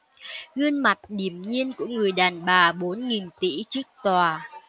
gương mặt điềm nhiên của người đàn bà bốn nghìn tỷ trước tòa